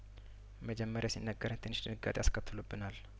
መጀመሪያ ሲነገረን ትንሽ ድንጋጤ አስከትሎብናል